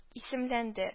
Исемләнде